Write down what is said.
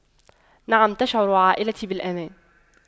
نعم تشعر عائلتي بالأمان